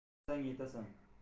havas qilsang yetasan